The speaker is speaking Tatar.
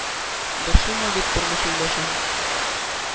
«борчылма, дип, тормыш юлдашым,